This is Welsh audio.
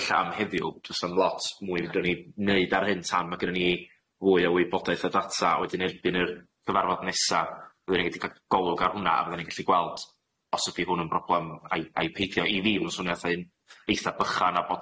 ella am heddiw jyst am lot mwy fedrwn ni neud ar hyn tan ma' gynnon ni fwy o wybodaeth o data wedyn erbyn yr cyfarfod nesa fyddan ni'n gallu ca'l golwg ar hwnna a fyddan ni'n gallu gweld os ydi hwn yn broblem a'i a'i peidio i fi man swnio fatha yn eitha bychan a bod